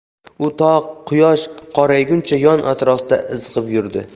u to qosh qorayguncha yon atrofda izg'ib yurdi